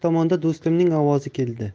tomonda do'stimning ovozi keldi